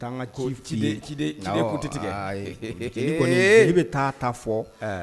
Ka tɛ tigɛ ayi e ko i bɛ taa ta fɔ